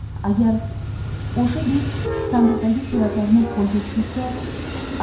agar o'sha bek sandiqdagi suratlarni qo'lga tushirsa